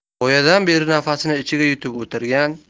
boyadan beri nafasini ichiga yutib o'tirgan